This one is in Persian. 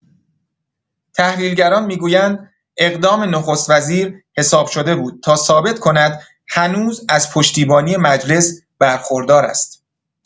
تحلیل‌گران می‌گویند اقدام نخست‌وزیر حساب‌شده بود تا ثابت کند هنوز پشتیبانی مجلس برخوردار است.